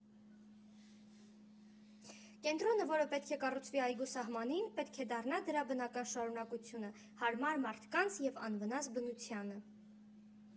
Կենտրոնը, որը պետք է կառուցվի այգու սահմանին, պետք է դառնա դրա բնական շարունակությունը՝ հարմար մարդկանց և անվնաս բնությանը։